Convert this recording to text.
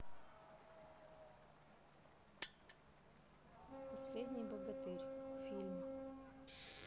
последний богатырь фильм